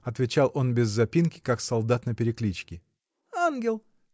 — отвечал он без запинки, как солдат на перекличке. — Ангел!